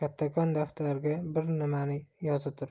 daftarga bir nimani yoza turib